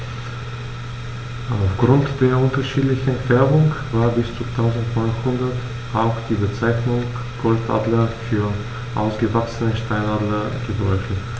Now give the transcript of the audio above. Auf Grund der unterschiedlichen Färbung war bis ca. 1900 auch die Bezeichnung Goldadler für ausgewachsene Steinadler gebräuchlich.